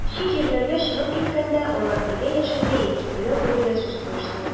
Чит җирләргә чыгып киткәндә, алар бергә яшәргә яки бергә үләргә сүз куештылар.